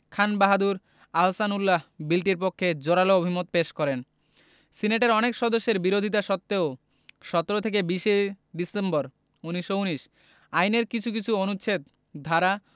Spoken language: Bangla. খান বাহাদুর আহসানউল্লাহ বিলটির পক্ষে জোরালো অভিমত পেশ করেন সিনেটের অনেক সদস্যের বিরোধিতা সত্ত্বেও ১৭ থেকে ২০ ডিসেম্বর ১৯১৯ আইনের কিছু কিছু অনুচ্ছেদ ধারা